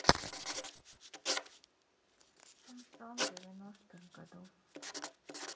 шансон девяностых годов